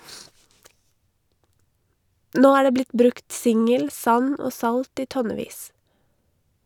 Nå er det blitt brukt singel, sand og salt i tonnevis.